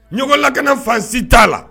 Ɲ lakana fa si t'a la